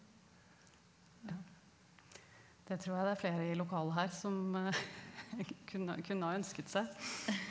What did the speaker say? det tror jeg det er flere i lokalet her som kunne ha ønsket seg.